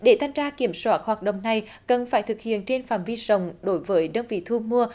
để thanh tra kiểm soát hoạt động này cần phải thực hiện trên phạm vi rộng đối với đơn vị thu mua